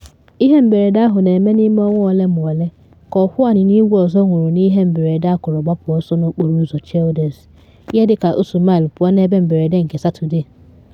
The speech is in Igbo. Ihe mberede ahụ na eme n’ime ọnwa ole ma ole ka ọkwọ anyịnya igwe ọzọ nwụrụ n’ihe mberede akụrụ gbapụ ọsọ na Okporo Ụzọ Childers, ihe dị ka otu maịlụ pụọ n’ebe mberede nke Satọde.